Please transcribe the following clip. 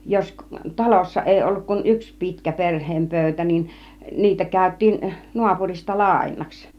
jos talossa ei ollut kuin yksi pitkä perheen pöytä niin niitä käytiin naapurista lainaksi